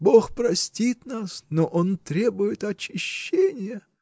Бог простит нас, но Он требует очищения!